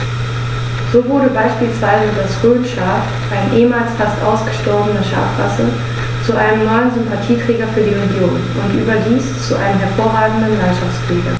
So wurde beispielsweise das Rhönschaf, eine ehemals fast ausgestorbene Schafrasse, zu einem neuen Sympathieträger für die Region – und überdies zu einem hervorragenden Landschaftspfleger.